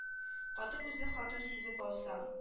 Каты күзле хатын сизеп алса